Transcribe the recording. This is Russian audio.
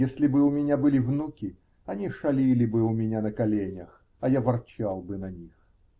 Если бы у меня были внуки, они шалили бы у меня на коленях, а я ворчал бы на них.